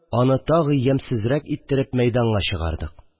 Аны тагы ямьсезрәк иттереп мәйданга чыгардык